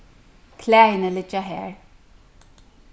klæðini liggja har